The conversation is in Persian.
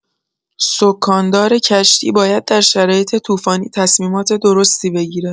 سکان‌دار کشتی باید در شرایط توفانی تصمیمات درستی بگیرد.